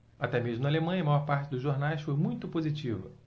até mesmo na alemanha a maior parte dos jornais foi muito positiva